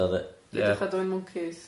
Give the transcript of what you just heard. Pidwch â dwyn mwncis.